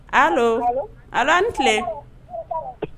Ayiwa aan tile